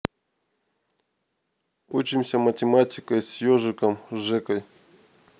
учимся математикой с ежиком жекой